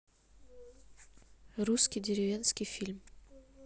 русский деревенский фильм